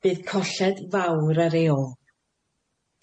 Bydd colled fawr ar ei ôl.